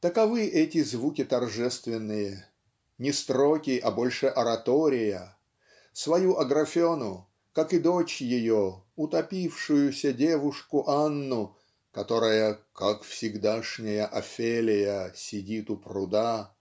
Таковы эти звуки торжественные, не строки, а больше оратория свою Атрафену как и дочь ее утопившуюся девушку Анну которая "как всегдашняя Офелия сидит у пруда"